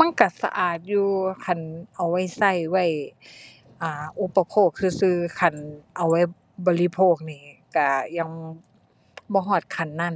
มันก็สะอาดอยู่ คันเอาไว้ก็ ไว้ อ่า อุปโภคซื่อซื่อ คันเอาไว้บริโภคนี่ก็ยังบ่ฮอดขั้นนั้น